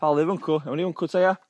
Palu fyncw awn i wncw ta ia?